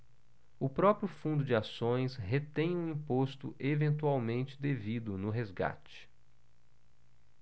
o próprio fundo de ações retém o imposto eventualmente devido no resgate